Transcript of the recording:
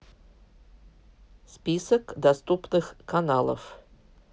список доступных каналов